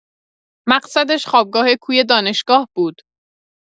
مقصدش خوابگاه کوی دانشگاه بود.